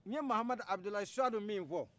n ye mahamadu abudulayi suwadu min fɔ